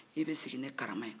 i bɛ sigi ni karama ye